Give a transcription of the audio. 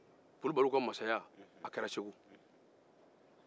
kulubaliw ka masaya kɛra segu